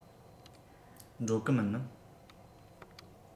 འགྲོ གི མིན ནམ